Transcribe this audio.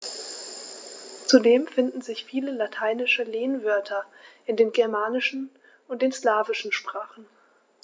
Zudem finden sich viele lateinische Lehnwörter in den germanischen und den slawischen Sprachen.